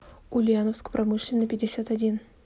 ульяновск промышленный пятьдесят один